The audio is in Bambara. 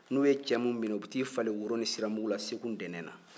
n'u ye cɛ min minɛ u bɛ t'i falen woro ni siramugu la segu ntɛnɛn na